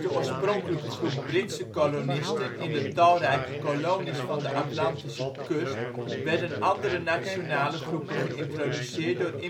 oorspronkelijke groep Britse kolonisten in de talrijke kolonies van de Atlantische kust, werden andere nationale groepen geïntroduceerd door immigratie